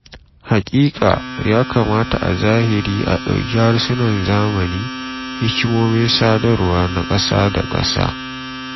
Hakika, ya kamata a zahiri a dauki harsunan zamani “hikimomin sadarwa na kasa-da-kasa.”